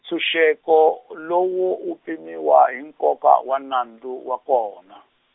ntshunxeko lowu wu pimiwa hi nkoka wa nandzu wa kona.